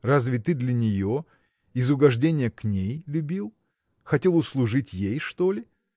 разве ты для нее, из угождения к ней любил? хотел услужить ей, что ли?